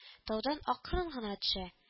Таудан акрын гына төшә